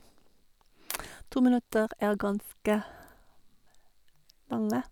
To minutter er ganske lange.